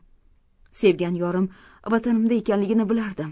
sevgan yorim vatanimda ekanligini bilardim